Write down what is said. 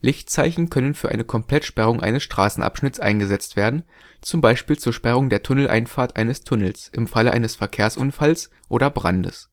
Lichtzeichen können für eine Komplettsperrung eines Straßenabschnitts eingesetzt werden, z. B. zur Sperrung der Tunneleinfahrt eines Tunnels im Falle eines Verkehrsunfalls oder Brandes.